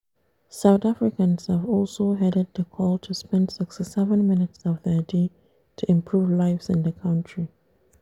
South Africans have also heeded the call to spend 67 minutes of their day to improve lives in the country.